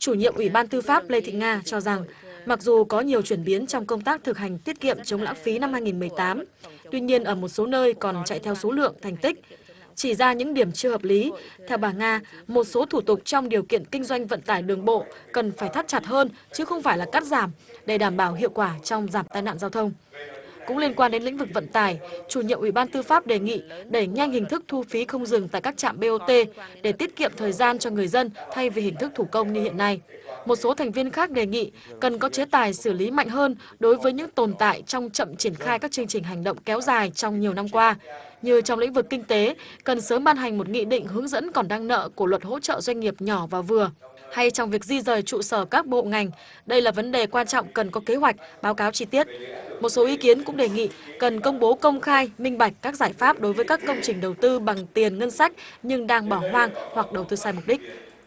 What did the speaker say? chủ nhiệm ủy ban tư pháp lê thị nga cho rằng mặc dù có nhiều chuyển biến trong công tác thực hành tiết kiệm chống lãng phí năm hai nghìn mười tám tuy nhiên ở một số nơi còn chạy theo số lượng thành tích chỉ ra những điểm chưa hợp lý theo bà nga một số thủ tục trong điều kiện kinh doanh vận tải đường bộ cần phải thắt chặt hơn chứ không phải là cắt giảm để đảm bảo hiệu quả trong giảm tai nạn giao thông cũng liên quan đến lĩnh vực vận tải chủ nhiệm ủy ban tư pháp đề nghị đẩy nhanh hình thức thu phí không dừng tại các trạm bê ô tê để tiết kiệm thời gian cho người dân thay vì hình thức thủ công như hiện nay một số thành viên khác đề nghị cần có chế tài xử lý mạnh hơn đối với những tồn tại trong chậm triển khai các chương trình hành động kéo dài trong nhiều năm qua như trong lĩnh vực kinh tế cần sớm ban hành một nghị định hướng dẫn còn đang nợ của luật hỗ trợ doanh nghiệp nhỏ và vừa hay trong việc di dời trụ sở các bộ ngành đây là vấn đề quan trọng cần có kế hoạch báo cáo chi tiết một số ý kiến cũng đề nghị cần công bố công khai minh bạch các giải pháp đối với các công trình đầu tư bằng tiền ngân sách nhưng đang bỏ hoang hoặc đầu tư sai mục đích